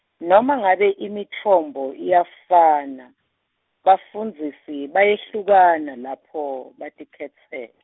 noma ngabe imitfombo iyafana, bafundzisi bayehlukana lapho batikhetsel-.